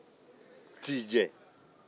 tijɛ